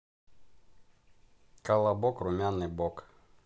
колобок румяный бок